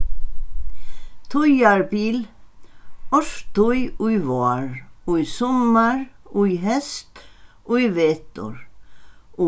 tíðarbil árstíð í vár í summar í heyst í vetur